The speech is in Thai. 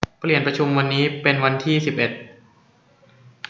เปลี่ยนประชุมวันนี้เป็นวันที่สิบเอ็ด